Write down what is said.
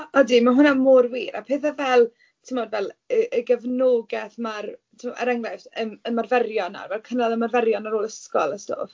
Odi mae hwnna mor wir. A pethe fel timod fel, y y gefnogaeth ma'r timod... er enghraifft ym- ymarferion nawr a cynnal ymarferion ar ôl ysgol a stwff.